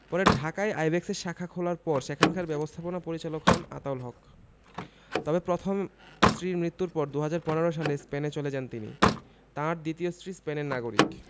পরে ঢাকায় আইব্যাকসের শাখা খোলার পর সেখানকার ব্যবস্থাপনা পরিচালক হন আতাউল হক তবে প্রথম স্ত্রীর মৃত্যুর পর ২০১৫ সালে স্পেনে চলে যান তিনি তাঁর দ্বিতীয় স্ত্রী স্পেনের নাগরিক